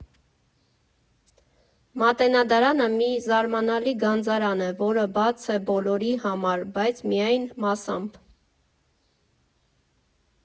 Մատենադարանը մի զարմանալի գանձարան է, որը բաց է բոլորի համար, բայց միայն մասամբ.